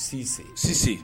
Sise . Sise